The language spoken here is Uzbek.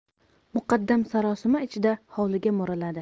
muqaddam sarosima ichida hovliga mo'raladi